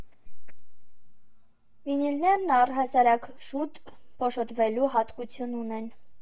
Վինիլներն առհասարակ շուտ փոշոտվելու հատկություն ունեն։